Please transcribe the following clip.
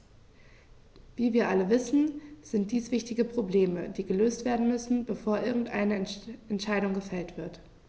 Wie wir alle wissen, sind dies wichtige Probleme, die gelöst werden müssen, bevor irgendeine Entscheidung gefällt wird.